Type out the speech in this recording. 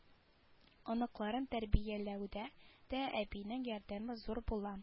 Оныкларын тәрбияләүдә дә әбинең ярдәме зур була